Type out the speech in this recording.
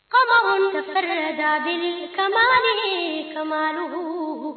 Faamakun bɛ da kaban min kumadugu